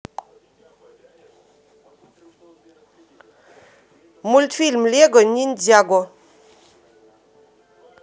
мультфильм лего ниндзяго